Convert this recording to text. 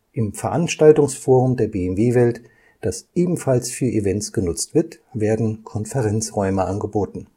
Im Veranstaltungsforum der BMW Welt, das ebenfalls für Events genutzt wird, werden Konferenzräume angeboten